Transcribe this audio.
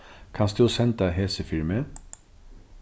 kanst tú senda hesi fyri meg